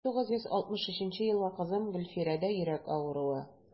1963 елгы кызым гөлфирәдә йөрәк авыруы.